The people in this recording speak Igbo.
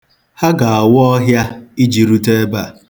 Ha ga-awa ọhịa iji rute ebe a?